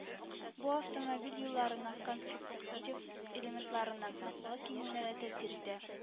Бу автомобиль юлларының конструктив элементларының ныклыгы кимүенә дә тәэсир итә